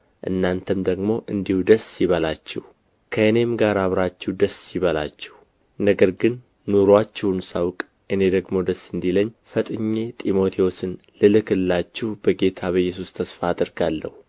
እናንተም ደግሞ እንዲሁ ደስ ይበላችሁ ከእኔም ጋር አብራችሁ ደስ ይበላችሁ ነገር ግን ኑሮአችሁን ሳውቅ እኔ ደግሞ ደስ እንዲለኝ ፈጥኜ ጢሞቴዎስን ልልክላችሁ በጌታ በኢየሱስ ተስፋ አደርጋለሁ